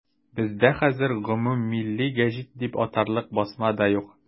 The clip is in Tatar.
Бездә хәзер гомуммилли гәҗит дип атарлык басма да юк.